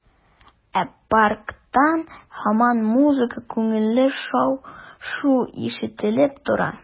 Ә парктан һаман музыка, күңелле шау-шу ишетелеп тора.